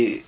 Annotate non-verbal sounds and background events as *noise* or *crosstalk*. *hesitation* *hesitation*